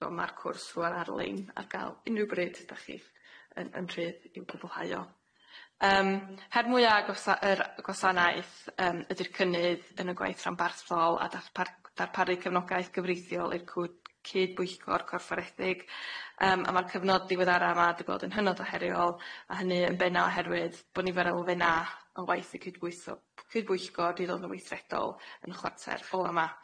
so ma'r cwrs rŵan ar-lein ar ga'l unryw bryd dach chi yn yn rhydd i'w gwbllhau o. Yym her mwya' gwasa- yr yy gwasanaeth yym ydi'r cynnydd yn y gwaith rhanbarthol a darpar- darparu cefnogaeth gyfreithiol i'r cw- cydbwyllgor corfforethig yym a ma'r cyfnod diweddara' ma dy' bod yn hynod o heriol a hynny yn benna' oherwydd bo' nifer o elfenna' yn waith y cydbwytho- cydbwyllgor di ddod yn weithredol yn y chwarter ola ma'.